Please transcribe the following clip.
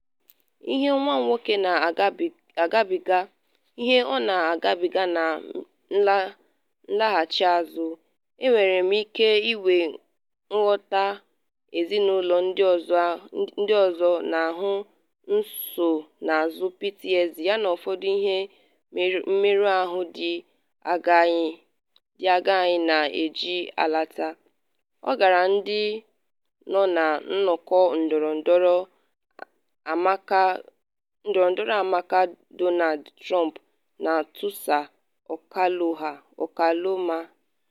“Ihe nwa m nwoke na-agabiga, ihe ọ na-agabiga na nlaghachi azụ, Enwere m ike inwe nghọta ezinụlọ ndị ọzọ n’ahụ nsonazụ PTSD yana ụfọdụ ihe mmerụ ahụ ndị agha anyị na-eji alata,” ọ gwara ndị nọ na nnọkọ ndọrọndọrọ a maka Donald Trump na Tulsa, Oklahoma.